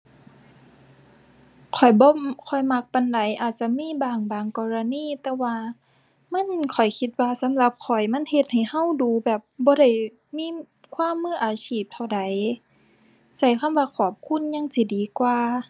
ข้อยบ่ค่อยมักปานใดอาจจะมีบ้างบางกรณี แต่ว่ามัน ข้อยคิดว่าสำหรับข้อยมันเฮ็ดให้เราดูแบบบ่ได้มีความมืออาชีพเท่าใด เราคำว่าขอบคุณยังสิดีกว่า